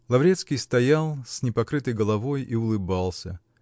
Лаврецкий стоял с непокрытой головой и улыбался